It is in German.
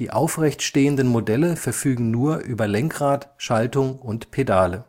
aufrecht stehenden Modelle verfügen nur über Lenkrad, Schaltung und Pedale